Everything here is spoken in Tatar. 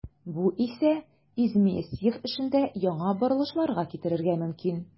Бу исә Изместьев эшендә яңа борылышларга китерергә мөмкин.